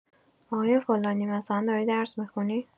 آقای فلانی، مثلا داری درس می‌خونی؟